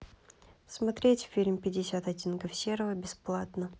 смотреть фильм пятьдесят оттенков серого бесплатно